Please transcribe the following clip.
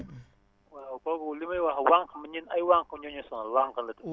waaw kooku li may wax wànq ñun ay wànq ñoo ñu sonal wànq la tudd